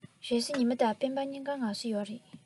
རེས གཟའ ཉི མ དང སྤེན པ གཉིས ཀར ངལ གསོ ཡོད རེད